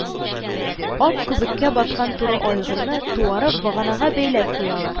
Ак күбеккә баткан туры айгырны, туарып, баганага бәйләп куялар